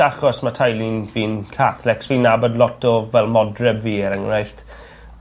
achos ma' teulu'n fi'n Catholics fi'n nabod lot o fel modryb fi er enghraifft